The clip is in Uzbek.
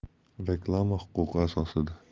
reklama huquqi asosida